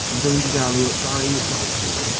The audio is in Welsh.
Oedd rywun 'di galw dau dog nhw...